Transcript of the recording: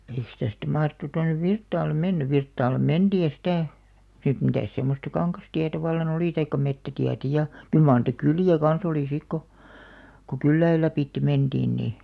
eikös tästä mahdettu tuonne Virtaalle mennyt Virtaalle mentiin ja sitä sitten mitäs semmoista kangastietä vallan oli tai metsätietä ja kyllä mar niitä kyliä kanssa oli sitten kun kun kylien lävitse mentiin niin